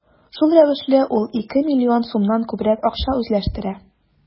Шул рәвешле ул ике миллион сумнан күбрәк акча үзләштерә.